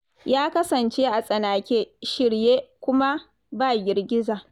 Ya kasance a tsinake, shirye, kuma ba girgiza."